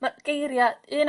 ma' geiria un...